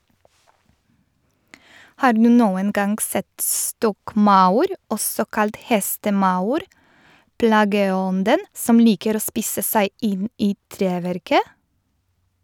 Har du noen gang sett stokkmaur, også kalt hestemaur, plageånden som liker å spise seg inn i treverket?